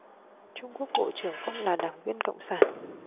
trung quốc bộ trưởng không là đảng viên cộng sản